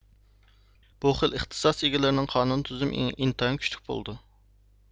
بۇ خىل ئىختىساس ئىگىلىرىنىڭ قانۇن تۈزۈم ئېڭى ئىنتايىن كۈچلۈك بولىدۇ